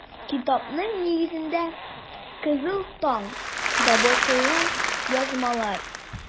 Китапның нигезендә - “Кызыл таң”да басылган язмалар.